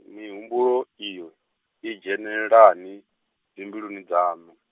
mihumbulo iyo, i dzhenelelani, dzimbiluni dzaṋu?